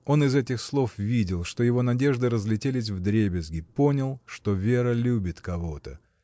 Он из этих слов видел, что его надежды разлетелись вдребезги, понял, что Вера любит кого-то.